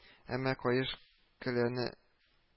Әмма каеш келәне